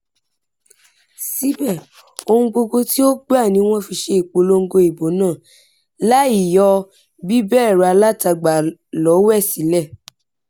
Síbẹ̀, ohun gbogbo tí ó gbà ni wọ́n fi ṣe ìpolongo ìbò náà, láì yọ bíbẹ ẹ̀rọ alátagbà lọ́wẹ̀ sílẹ̀.